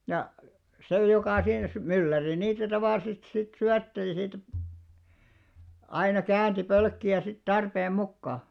ja se joka siinä - mylläri niitä tavallisesti sitten syötteli siitä aina käänsi pölkkiä sitten tarpeen mukaan